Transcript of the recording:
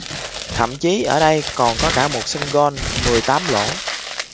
thậm chí ở đây còn có cả một sân golf mười tám lỗ